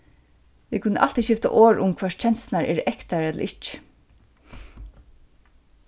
vit kunnu altíð skifta orð um hvørt kenslurnar eru ektaðar ella ikki